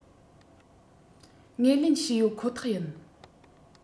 ངོས ལེན ཞུས ཡོད ཁོ ཐག ཡིན